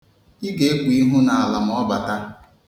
Ị ga-ekpu ihu n'ala ma ọ bata.